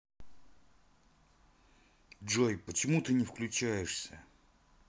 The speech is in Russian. джой почему ты не включаешься